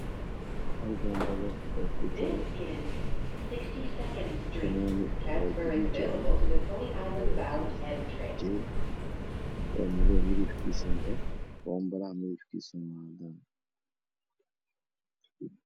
Hal bonbalo oo kujiro fananad oo guduujieh iyo haf Jey o madow midibkiisu ah bonbalaha midabkisu wa cadan